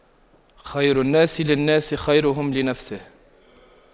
خير الناس للناس خيرهم لنفسه